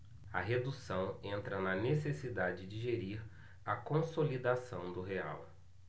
a redução entra na necessidade de gerir a consolidação do real